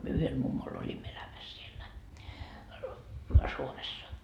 me yhdellä mummolla olimme elämässä siellä Suomessa